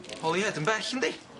Well ie dim bell yndi?